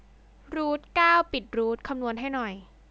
รูทเก้าปิดรูทคำนวณให้หน่อย